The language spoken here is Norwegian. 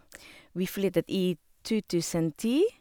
Vi flyttet i to tusen ti.